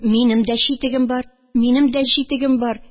Минем дә читегем бар, минем дә читегем бар.